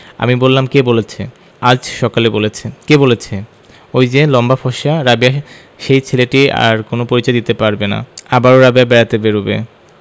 আমি বললাম কে বলেছে আজ সকালে বলেছে কে সে ঐ যে লম্বা ফর্সা রাবেয়া সেই ছেলেটির আর কোন পরিচয়ই দিতে পারবে না আবারও রাবেয়া বেড়াতে বেরুবে